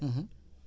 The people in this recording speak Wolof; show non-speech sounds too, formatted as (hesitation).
(hesitation) (hesitation)